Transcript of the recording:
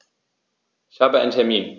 Ich habe einen Termin.